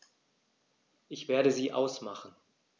Ich werde sie ausmachen.